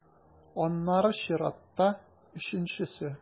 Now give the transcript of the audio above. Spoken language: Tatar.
Аннары чиратта - өченчесе.